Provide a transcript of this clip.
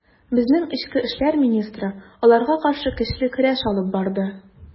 Безнең эчке эшләр министры аларга каршы көчле көрәш алып барды.